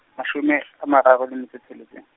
mashome , a mararo le metso e tsheletseng.